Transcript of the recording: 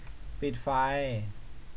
ปิดไฟ